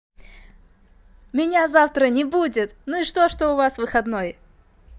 меня завтра не будет ну и что у вас выходной